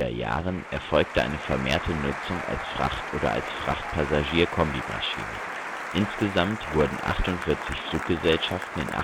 1960er-Jahren erfolgte eine vermehrte Nutzung als Fracht - oder als Fracht/Passagier-Kombi-Maschine. Insgesamt wurden 48 Fluggesellschaften